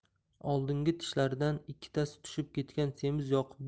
oldingi tishlaridan ikkitasi tushib ketgan semiz